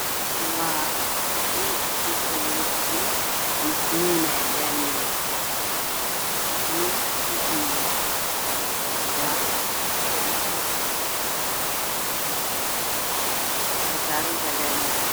Kii dhisaayey laamiga ama sameynaayay midabkiisu waa jaale iyo madow waxay saaran tahay laamiga.